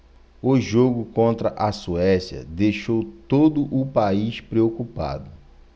o jogo contra a suécia deixou todo o país preocupado